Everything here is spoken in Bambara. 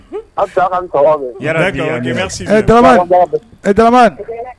halisa Ala k'an ni sahaba bɛn yarabi ami ami d'accord ok merci bien baga bɛ fo e Daramane e Daramane